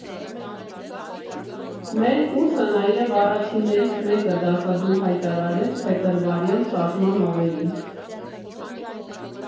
Մեր կուրսը նաև առաջիններից մեկը դասադուլ հայտարարեց Փետրվարյան շարժման օրերին։